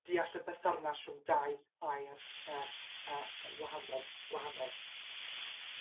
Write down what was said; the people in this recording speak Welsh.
deall y berthyrns rhwng dau air yy yy wahanol, gwahanol.